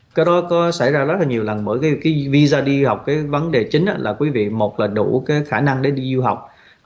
cái đó có xảy ra rất là nhiều lần bởi cái vi da đi học cái vấn đề chính ớ là quý vị một là đủ cái khả năng để đi du học